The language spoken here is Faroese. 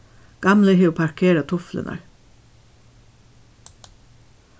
gamli hevur parkerað tuflurnar